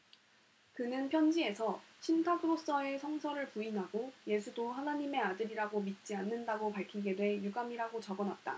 그는 편지에서 신탁으로써의 성서를 부인하고 예수도 하나님의 아들이라고 믿지 않는다고 밝히게 돼 유감이라고 적어놨다